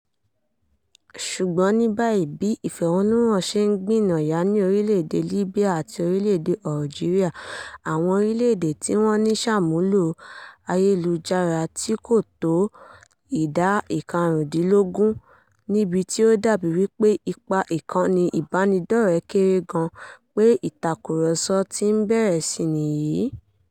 Ṣùgbọ́n ní báyìí, bí ìfẹ̀hónúhàn ṣe ń gbìnàyá ní orílẹ̀ èdè Libya àti orílẹ̀ èdè Algeria - àwọn orílẹ̀ èdè tí wọ́n ní ìsàmúlò ayélujára tí kò tó 15% níbi tí ó dàbí wípé ipa ìkànnì ìbánidọ́rẹ̀ẹ́ kéré gan - pé ìtàkurọ̀sọ̀ ti bẹ̀rẹ̀ sí ní yí.